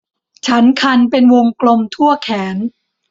ฉันคันเป็นวงกลมทั่วแขน